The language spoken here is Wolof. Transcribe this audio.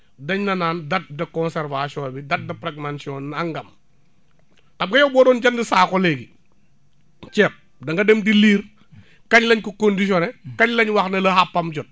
dañ la naan date de conservation bi date de nangam xam nga yow boo doon jënd saako léegi ceeb da nga dem di lire kañ lañ ko conditionné kañ lañ wax ne la àppam jot